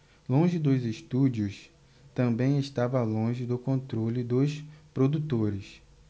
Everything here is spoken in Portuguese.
longe dos estúdios também estava longe do controle dos produtores